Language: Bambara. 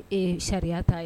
Ee sariya ta'a yen